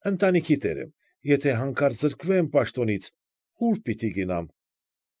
Ընտանիքի տեր եմ, եթե հանկարծ զրկվեմ պաշտոնից, ո՞ւր պիտի գնամ։